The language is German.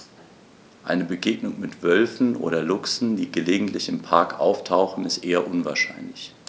Eine Begegnung mit Wölfen oder Luchsen, die gelegentlich im Park auftauchen, ist eher unwahrscheinlich.